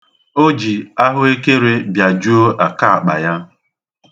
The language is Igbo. O ji ahụekere biajuo akaakpa ya.